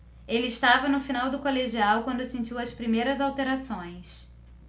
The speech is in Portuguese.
ele estava no final do colegial quando sentiu as primeiras alterações